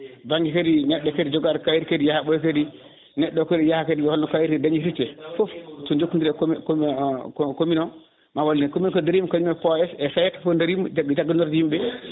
banggue kadi neɗɗo kadi jogade kayit kadi yaaha ha ɓooya kadi neɗɗo o kadi yaha kadi holno kayit o dañitirte foof so jokkodire commune commnune o ma wallu hen commune ko darima kañum e PAS e SAED fo darima jag jaggonorde yimɓeɓe